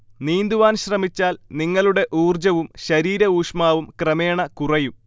നീന്തുവാൻ ശ്രമിച്ചാൽ നിങ്ങളുടെ ഊർജവും ശരീര ഊഷ്മാവും ക്രമേണ കുറയും